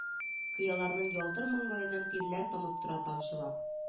Кыяларның ялтыр маңгаеннан тирләр тамып тора тамчылап